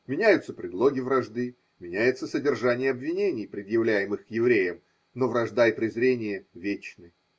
Меняются предлоги вражды, меняется содержание обвинений, предъявляемых к евреям, но вражда и презрение вечны.